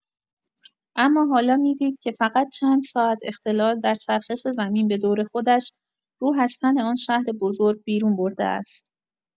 اما حالا می‌دید که فقط چند ساعت اختلال در چرخش زمین به دور خودش، روح از تن آن شهر بزرگ بیرون برده است.